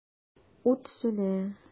Ут сүнә.